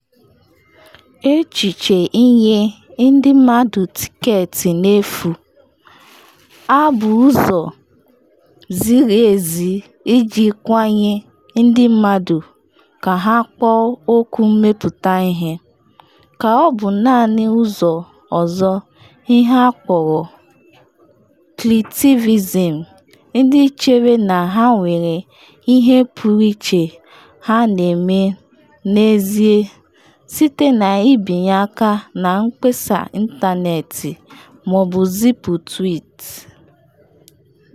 Echiche inye ndị mmadụ tịketị n’efu, a bụ ụzọ ziri ezi iji kwanye ndị mmadụ ka ha kpọọ oku mmepụta ihe, ka ọ bụ naanị ụzọ ọzọ ihe akpọrọ “kliktivizm” - ndị chere na ha nwere ihe pụrụ iche ha na-eme n’ezie site na ibinye aka na mkpesa ịntanetị ma ọ bụ zipu tweet?